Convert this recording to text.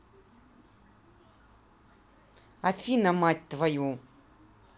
афина мать твою